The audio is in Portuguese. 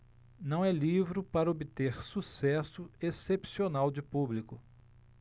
não é livro para obter sucesso excepcional de público